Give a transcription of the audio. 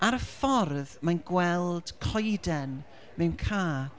ar y ffordd mae'n gweld coeden mewn cae.